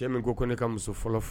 Cɛ min ko ko ne ka muso fɔlɔ fɔ